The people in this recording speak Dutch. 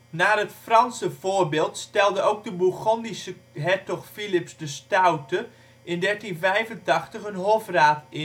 Naar het Franse voorbeeld stelde ook de Bourgondische hertog Filips de Stoute in 1385 een hofraad in